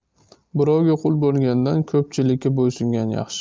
birovga qui bo'lgandan ko'pchilikka bo'ysungan yaxshi